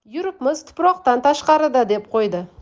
yuribmiz tuproqdan tashqarida deb qo'ydi